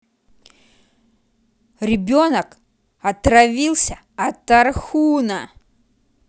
ребенок отравился от тархуна